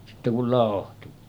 sitten kun lauhtui